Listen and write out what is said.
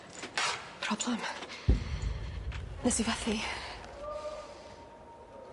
Problem. Nes i fethu.